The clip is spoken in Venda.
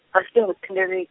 nga -tingo thendele-.